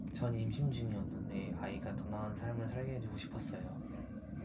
전 임신 중이었는데 아이가 더 나은 삶을 살게 해 주고 싶었어요